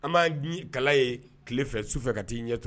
An b'an kala ye tilefɛ su fɛ ka t'i ɲɛ